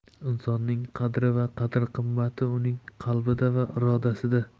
insonning qadri va qadr qimmati uning qalbida va irodasida